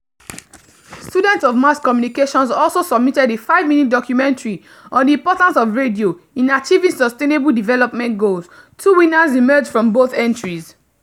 Students of mass communications also submitted a 5-minute documentary on the importance of radio in achieving sustainable development goals. Two winners emerged from both entries.